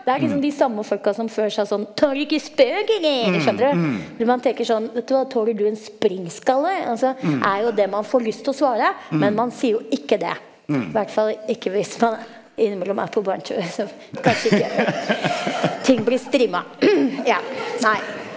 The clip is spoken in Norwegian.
det er liksom de samme folka som føler seg sånn, tar du ikke spøk eller, skjønner du, men man tenker sånn vet du hva tåler du en springskalle altså er jo det man får lyst til å svare, men man sier jo ikke det, hvert fall ikke hvis man innimellom er på barne-tv så kanskje ikke ting blir streama ja nei.